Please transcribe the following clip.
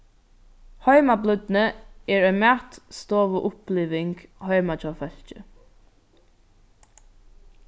heimablídni er ein matstovuuppliving heima hjá fólki